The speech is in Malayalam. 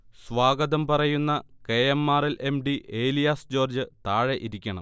സ്വാഗതം പറയുന്ന K. M. R. L., M. D Elias George താഴെ ഇരിക്കണം